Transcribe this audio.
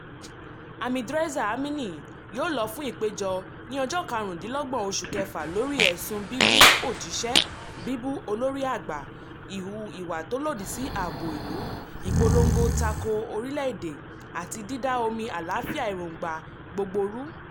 Hamidreza Amini yóò lọ fún ìpẹ̀jọ́ ní 25 oṣù Kẹfà lórí ẹ̀sùn "bíbú òjíṣẹ́", "bíbú olórí àgbà", "híhu ìwà tí ó lòdì sí ààbò ìlú", "ìpolongo tako orílẹ̀ èdè", àti "dída omi àlàáfíà èróńgbà gbogbo rú".